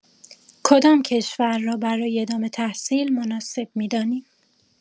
کدام کشور را برای ادامه تحصیل مناسب می‌دانی؟